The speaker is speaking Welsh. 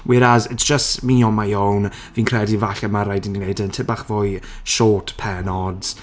Whereas, it's just me on my own. Fi'n credu falle ma' raid i ni wneud hyn tipyn bach fwy short pennods...